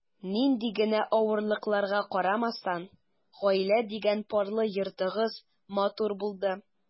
Нинди генә авырлыкларга карамастан, “гаилә” дигән парлы йортыгыз матур булды.